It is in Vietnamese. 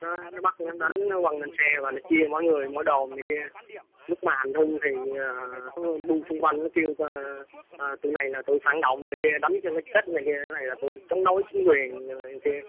nó bắt nó đánh nó quăng lên xe và nó chia mỗi người mỗi đồ này kia lúc mà hành hung thì nó bu xung quanh nó kêu ơ tụi này là tụi phản động này kia đánh cho nó chết này kia thế này là tội chống đối chính quyền này kia